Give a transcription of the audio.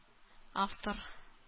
Автор